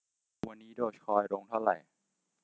วันนี้ดอร์จคอยลงเท่าไหร่